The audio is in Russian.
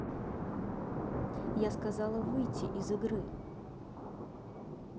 я сказала выйти из игры